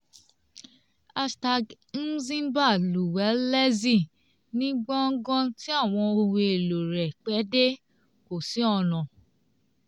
# Mzimba Luwelezi ni gbọ̀ngán tí àwọn ohun èlò rẹ̀ pẹ́ dé – kò sí ọ̀nà.